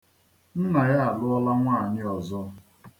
Nna ya alụọla nwaanyị ozo.